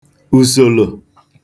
ùsòlò